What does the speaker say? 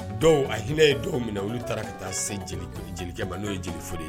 Dɔw a hinɛina ye dɔw minԑ olu taara ka taa se jelikɛ ma n'o ye jeli Fode ye